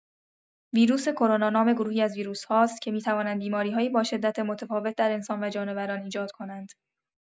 ویروس کرونا نام گروهی از ویروس‌ها است که می‌توانند بیماری‌هایی با شدت متفاوت در انسان و جانوران ایجاد کنند.